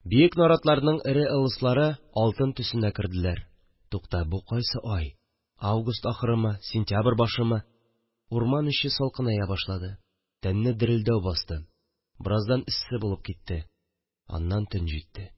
Биек наратларның эре ылыслары алтын төсенә керделәр. Тукта, бу кайсы ай? Август ахырымы? Сентябрь башымы? Урман эче салкыная башлады. Тәнне дерелдәү басты. Бераздан эссе булып китте. Аннан төн җитте